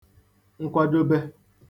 nkwadobe